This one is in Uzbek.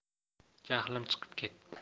jahlim chiqib ketdi